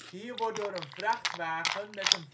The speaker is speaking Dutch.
Hier wordt door een vrachtwagen met een